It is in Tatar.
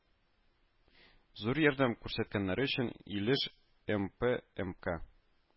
Зур ярдәм күрсәткәннәре өчен илеш эмпээмка